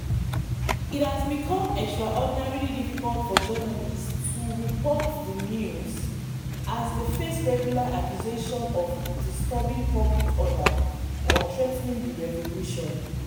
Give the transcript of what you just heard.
It has become extraordinarily difficult for journalists to report the news, as they face regular accusations of “disturbing public order” or “threatening the revolution”.